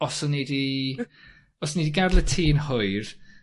os o'n ni 'di, os o'n ni 'di gadel y tŷ yn hwyr